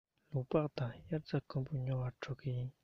ལུག པགས དང དབྱར རྩྭ དགུན འབུ ཉོ བར འགྲོ གི ཡིན